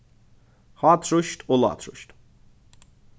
hátrýst og lágtrýst